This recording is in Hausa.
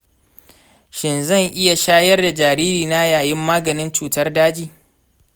shin zan iya shayar da jaririna yayin maganin cutar daji?